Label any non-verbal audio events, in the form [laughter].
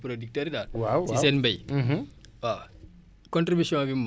waaw contribution bi mooy [hesitation] si façon bu simple comme heure bi dem na